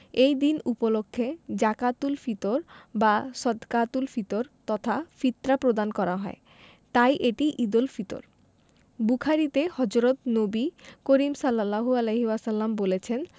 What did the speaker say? এই দিন উপলক্ষে জাকাতুল ফিতর বা সদকাতুল ফিতর তথা ফিতরা প্রদান করা হয় তাই এটি ঈদুল ফিতর বুখারিতে হজরত নবী করিম সা বলেছেন